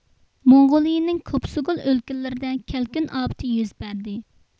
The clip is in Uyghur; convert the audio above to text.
موڭغۇلىيىنىڭ كۇبسۇگۇل ئۆلكىلىرىدە كەلكۈن ئاپىتى يۈز بەردى